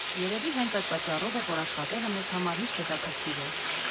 Երևի հենց այդ պատճառով է, որ աշխատելը մեզ համար միշտ հետաքրքիր է։